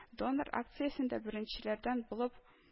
Донор акциясендә беренчеләрдән булып